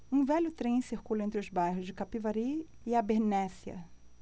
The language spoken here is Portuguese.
um velho trem circula entre os bairros de capivari e abernéssia